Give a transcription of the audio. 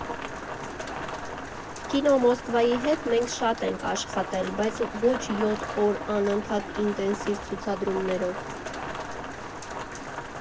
Կինո «Մոսկվայի» հետ մենք շատ ենք աշխատել, բայց ոչ յոթ օր անընդհատ ինտենսիվ ցուցադրումներով։